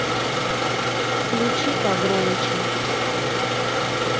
включи погромче